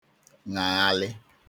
ṅàghalị